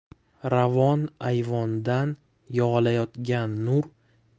ravon ayvondan yog'ilayotgan nur